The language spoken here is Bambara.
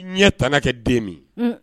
Ɲɛ tana kɛ den min; un.